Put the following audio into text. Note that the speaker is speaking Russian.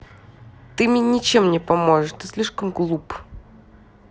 ты мне ничем не поможешь ты слишком глуп